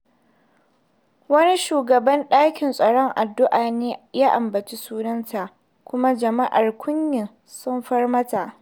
Wani shugaban ɗakin taron addu'a ne ya ambaci sunanta kuma jama'ar ƙuyen sun far mata.